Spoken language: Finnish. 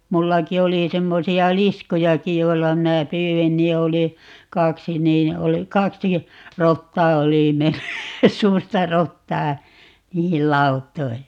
minullakin oli semmoisia liskojakin joilla minä pyysin niin oli kaksi niin oli kaksi rottaa oli mennyt suurta rottaa niihin lauttoihin